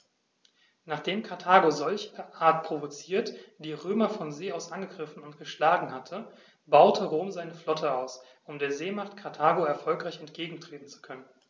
Nachdem Karthago, solcherart provoziert, die Römer von See aus angegriffen und geschlagen hatte, baute Rom seine Flotte aus, um der Seemacht Karthago erfolgreich entgegentreten zu können.